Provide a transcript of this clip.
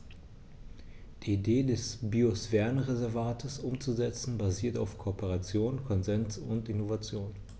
Die Idee des Biosphärenreservates umzusetzen, basiert auf Kooperation, Konsens und Innovation.